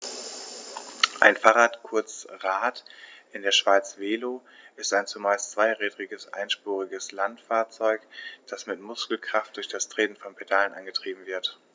Ein Fahrrad, kurz Rad, in der Schweiz Velo, ist ein zumeist zweirädriges einspuriges Landfahrzeug, das mit Muskelkraft durch das Treten von Pedalen angetrieben wird.